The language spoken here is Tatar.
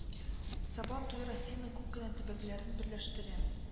Сабан туе россиянең күп кенә төбәкләрен берләштерә